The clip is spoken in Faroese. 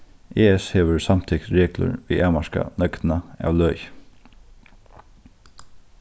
es hevur samtykt reglur ið avmarka nøgdina av løgi